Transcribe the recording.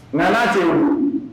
Nka se